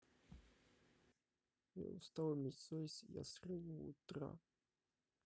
я устал иметь совесть я с раннего утра